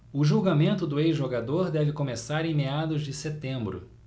o julgamento do ex-jogador deve começar em meados de setembro